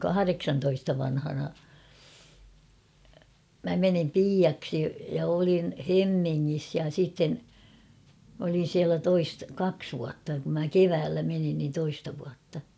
kahdeksantoista vanhana minä menin piiaksi ja olin Hemmingissä ja sitten minä olin siellä - kaksi vuotta kun minä keväällä menin niin toista vuotta